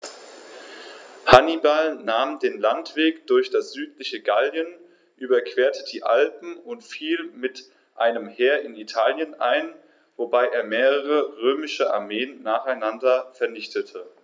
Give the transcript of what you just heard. Hannibal nahm den Landweg durch das südliche Gallien, überquerte die Alpen und fiel mit einem Heer in Italien ein, wobei er mehrere römische Armeen nacheinander vernichtete.